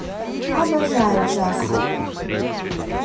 обожаю jazz